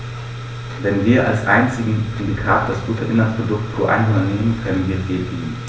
Wenn wir als einzigen Indikator das Bruttoinlandsprodukt pro Einwohner nehmen, können wir fehlgehen.